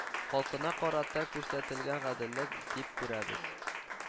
Халкына карата күрсәтелгән гаделлек, дип күрәбез